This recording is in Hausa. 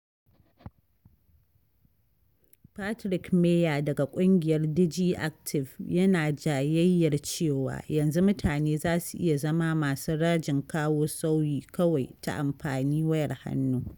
Patrick Meier daga Ƙungiyar DigiActive yana jayayyar cewa, yanzu mutane za su iya zama masu rajin kawo sauyi kawai ta amfani wayar hannu.